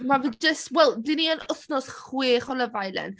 Mae fe jyst wel dan ni yn wythnos chwech o Love Island.